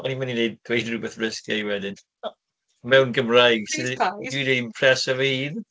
O'n i'n mynd i wneud dweud rhywbeth risqué wedyn, mewn Gymraeg, so... Plîs paid! ...dwi 'di impreso fy hun!